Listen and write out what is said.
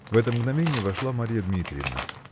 В это мгновенье вошла Марья Дмитриевна.